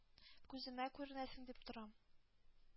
Күземә күренәсең, дип торам.